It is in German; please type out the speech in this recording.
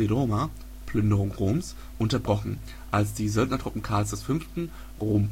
Roma („ Plünderung Roms “) unterbrochen, als die Söldnertruppen Karls V. Rom plünderten